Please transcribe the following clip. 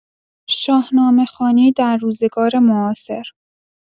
شاهنامه‌خوانی در روزگار معاصر